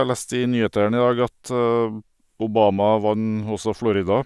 Jeg leste i nyhetene i dag at Obama vant også Florida.